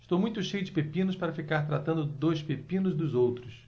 estou muito cheio de pepinos para ficar tratando dos pepinos dos outros